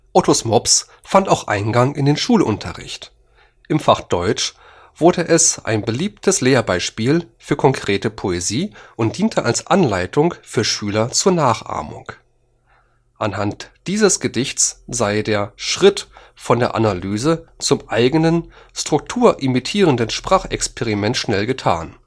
ottos mops fand auch Eingang in den Schulunterricht. Im Fach Deutsch wurde es ein beliebtes Lehrbeispiel für konkrete Poesie und diente als Anleitung für Schüler zur Nachahmung. Anhand dieses Gedichts sei „ der Schritt von der Analyse zum eigenen strukturimitierenden Sprachexperiment schnell getan